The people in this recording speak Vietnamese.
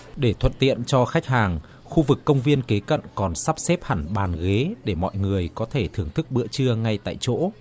để thuận tiện cho khách hàng khu vực công viên kế cận còn sắp xếp hẳn bàn ghế để mọi người có thể thưởng thức bữa trưa ngay tại chỗ